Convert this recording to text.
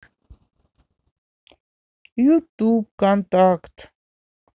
ютуб контакт